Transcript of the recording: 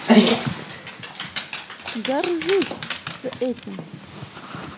горжусь с этим